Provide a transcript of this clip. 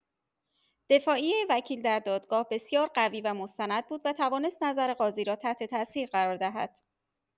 دفاعیه وکیل در دادگاه بسیار قوی و مستند بود و توانست نظر قاضی را تحت‌تاثیر قرار دهد.